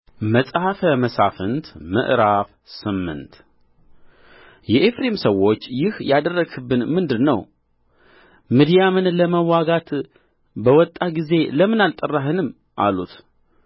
መጽሐፈ መሣፍንት ምዕራፍ ስምንት የኤፍሬም ሰዎች ይህ ያደረግህብን ምንድር ነው ምድያምን ለመዋጋት በወጣህ ጊዜ ለምን አልጠራኸንም አሉት